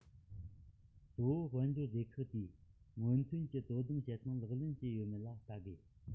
གཙོ བོ དཔལ འབྱོར སྡེ ཁག དེས སྔོན ཐོན གྱི དོ དམ བྱེད སྟངས ལག ལེན བྱས ཡོད མེད ལ བལྟ དགོས